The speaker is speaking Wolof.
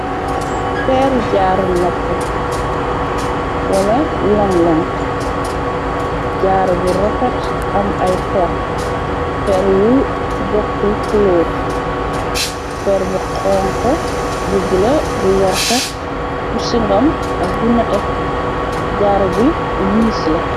Peeru jaaru noppu wala longlong jaaru bu rafet am ay per per yu bokkul kulóor peer bu xonko bu bula bu werta bu singom ak bunate jaaru bi wiis la.